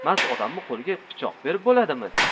mast odammi qo'liga pichoq berib bo'lami